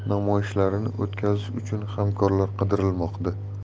ham namoyishlarini o'tkazish uchun hamkorlar qidirilmoqda